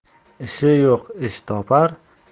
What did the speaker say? ishi yo'q ish topar